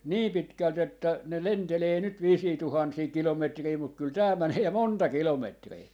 niin pitkälti että ne lentelee nyt viisiä tuhansia kilometrejä mutta kyllä tämä menee ja monta kilometriä